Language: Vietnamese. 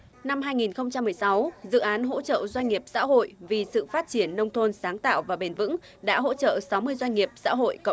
năm hai nghìn không trăm mười sáu dự án hỗ trợ doanh nghiệp xã hội vì sự phát triển nông thôn sáng tạo và bền vững đã hỗ trợ sáu mươi doanh nghiệp xã hội cộng